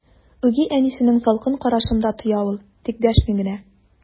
Үги әнисенең салкын карашын да тоя ул, тик дәшми генә.